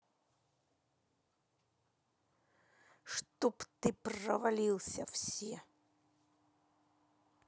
чтоб ты провалился все